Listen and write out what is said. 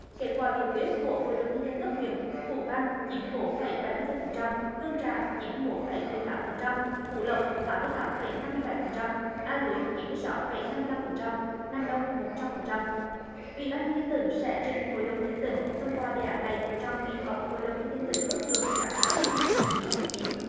kết quả biểu quyết của hội đồng nhân dân cấp huyện phú vang chín mươi bốn phẩy bảy mươi tư phần trăm hương trà chín mươi mốt phẩy mười tám phần trăm phú lộc tám mươi tám phẩy năm mươi bảy phần trăm a lưới chín mươi sáu phẩy năm mươi lăm phần trăm nam đông một trăm phần trăm ủy ban nhân dân tỉnh sẽ trình hội đồng nhân dân tỉnh thông qua đề án này trong kỳ họp hội đồng nhân dân tỉnh bất thường tháng tám năm hai ngàn không trăm mười chín